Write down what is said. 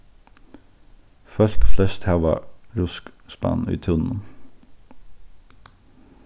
fólk flest hava ruskspann í túninum